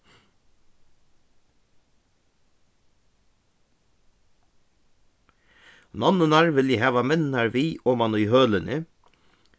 nonnurnar vilja hava menninar við oman í hølini